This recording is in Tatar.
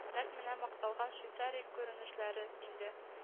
Нәкъ менә макталган Швейцария күренешләре инде